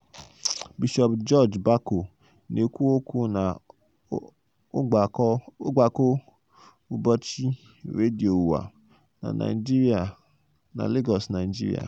Bishọp George Bako na-ekwu okwu na ogbako ụbọchị redio ụwa na Lagos, Naịjirịa.